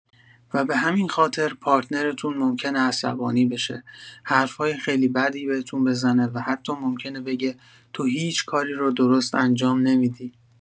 و به همین خاطر، پارتنرتون ممکنه عصبانی بشه، حرف‌های خیلی بدی بهتون بزنه و حتی ممکنه بگه «تو هیچ کاری رو درست انجام نمی‌دی!»